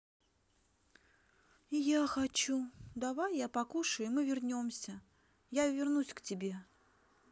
а я хочу давай я покушаю и мы вернемся я вернусь к тебе